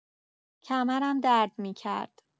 کمرم درد می‌کرد.